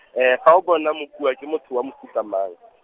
fa o bona Mokua ke motho wa mofuta mang?